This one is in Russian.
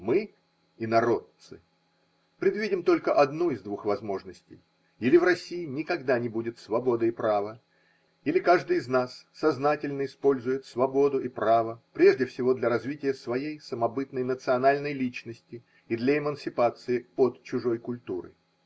Мы, инородцы, предвидим только одну из двух возможностей: или в России никогда не будет свободы и права, или каждый из нас сознательно использует свободу и право прежде всего для развития своей самобытной национальной личности и для эмансипации от чужой культуры.